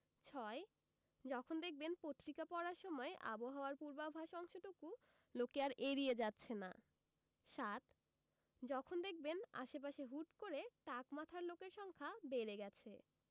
৬. যখন দেখবেন পত্রিকা পড়ার সময় আবহাওয়ার পূর্বাভাস অংশটুকু লোকে আর এড়িয়ে যাচ্ছে না ৭. যখন দেখবেন আশপাশে হুট করে টাক মাথার লোকের সংখ্যা বেড়ে গেছে